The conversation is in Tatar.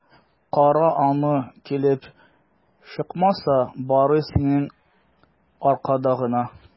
Кара аны, килеп чыкмаса, бары синең аркада гына!